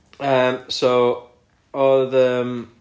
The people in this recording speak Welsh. yym so o'dd yym